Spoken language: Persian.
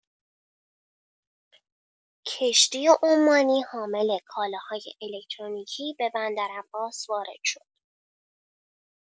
کشتی عمانی حامل کالاهای الکترونیکی به بندرعباس وارد شد.